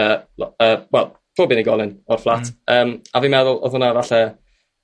y wel y pob unigolyn o'r flat yym a fi'n meddwl o'dd hwnne falle